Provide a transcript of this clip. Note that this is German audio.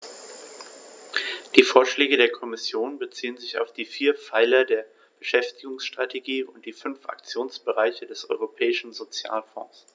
Die Vorschläge der Kommission beziehen sich auf die vier Pfeiler der Beschäftigungsstrategie und die fünf Aktionsbereiche des Europäischen Sozialfonds.